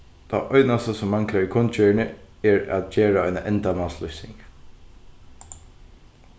tað einasta sum manglar í kunngerðini er at gera eina endamálslýsing